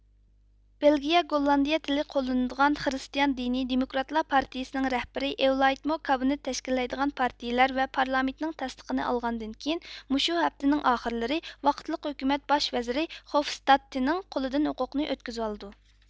بېلگىيە گوللاندىيە تىلى قوللىنىدىغان خىرىستىئان دىنى دېموكراتلار پارتىيىسىنىڭ رەھبىرى ئېۋلايتمۇ كابىنېت تەشكىللەيدىغان پارتىيىلەر ۋە پارلامېنتىنىڭ تەستىقىنى ئالغاندىن كېيىن مۇشۇ ھەپتىنىڭ ئاخىرلىرى ۋاقىتلىق ھۆكۈمەت باش ۋەزىرى خوفستادتنىڭ قولىدىن ھوقۇقنى ئۆتكۈزۈۋالىدۇ